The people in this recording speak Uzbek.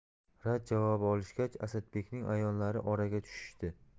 rad javobi olishgach asadbekning a'yonlari oraga tushishdi